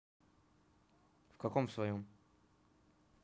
в каком в своем